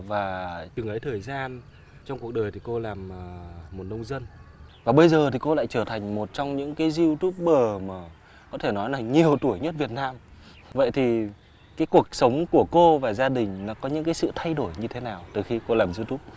và từng ấy thời gian trong cuộc đời thì cô làm ờ một nông dân và bây giờ thì cô lại trở thành một trong những cái diu túp bờ mà có thể nói là nhiều tuổi nhất việt nam vậy thì cái cuộc sống của cô và gia đình có những sự thay đổi như thế nào từ khi cô làm diu túp